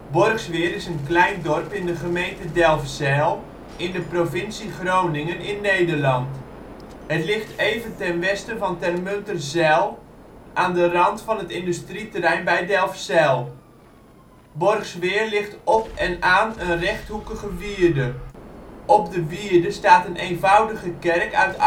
Borgsweer is een klein dorp in de gemeente Delfzijl in de provincie Groningen in Nederland. Het ligt even ten westen van Termunterzijl, aan de rand van het industrieterrein bij Delfzijl. Borgsweer ligt op en aan een rechthoekige wierde. Op de wierde staat een eenvoudige kerk uit